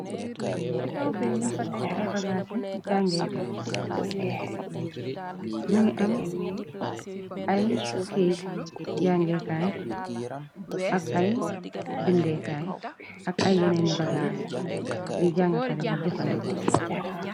Ci kawfee yungfa teg ay bagaasi jangeekaay mi ngi am ay kayte jangeekaay ak ay bindeekaay ak ay yeneeni bagaas gi jàngakare di jëfande ko.